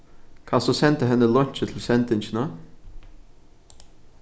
kanst tú senda henni leinkið til sendingina